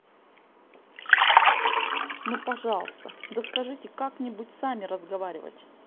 ну пожалуйста да скажите как нибудь сами разговаривать